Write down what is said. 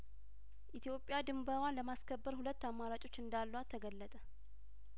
ኢትዮጵያ ድንበሯን ለማስከበር ሁለት አማራጮች እንዳሏት ተገለጠ